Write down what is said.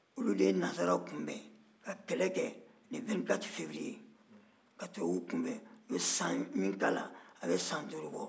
0lu de ye nansara kunbɛn ka kɛlɛ kɛ le 24 fevrier ka tubabuw kunbɛn u ye san min k'a la a bɛ san duuru bɔ